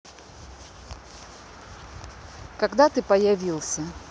когда ты появился